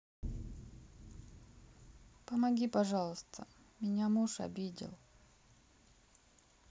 помоги пожалуйста меня муж обидел